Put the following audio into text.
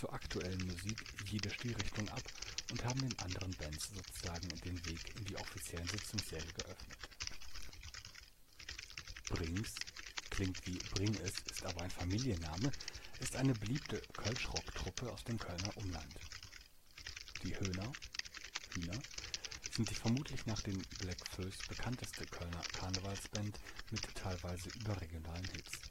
aktuellen Musik jede Stilrichtung ab und haben den anderen Bands sozusagen den Weg in die offiziellen Sitzungssäle geöffnet. Brings (Klingt wie Bring ' es!, ist aber ein Familienname) ist eine beliebte Kölschrocktruppe aus dem Kölner Umland Die Höhner (Hühner) sind die vermutlich nach den Bläck Fööss bekannteste Kölner " Karnevals " band mit teilweise überregionalen Hits